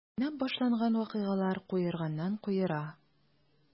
Уйнап башланган вакыйгалар куерганнан-куера.